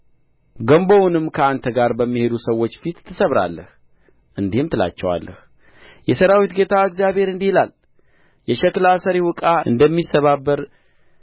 ገምቦውንም ከአንተ ጋር በሚሄዱ ሰዎች ፊት ትሰብራለህ እንዲህም ትላቸዋለህ የሠራዊት ጌታ እግዚአብሔር እንዲህ ይላል የሸክላ ሠሪው ዕቃ እንደሚሰባበር